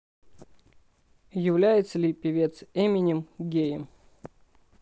является ли певец эмин геем